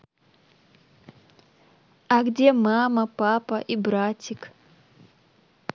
а где мама папа и братик